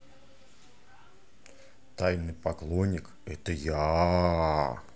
или тайный поклонник